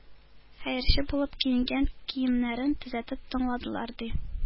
Хәерче булып киенгән киемнәрен төзәтеп тыңладылар, ди,